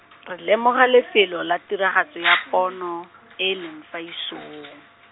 re lemoga lefelo la tiragatso ya pono, e e leng fa isong.